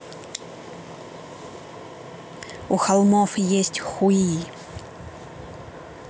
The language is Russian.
у холмов есть хуи